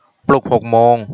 ปลุกหกโมง